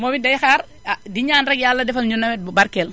moom it day xaar ah di ñaan rekk Yàlla defal ñu nawet bu barkeel